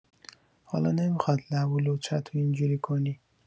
حالا نمیخواد لب و لوچتو اینجوری کنی!